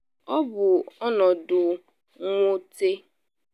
Ọ bụ ọnọdụ mwute.”